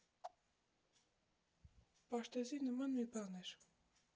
Պարտեզի նման մի բան էր։